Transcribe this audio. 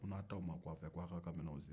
ko n'a taw ma ku a fɛ ko a ka aw ka minɛw cɛ